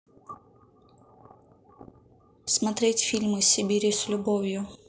смотреть фильм из сибири с любовью